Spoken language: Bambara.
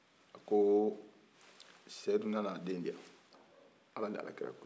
ko sedu nana a den di yan ala n'a ka kira kosɔn